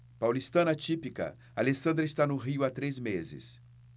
paulistana típica alessandra está no rio há três meses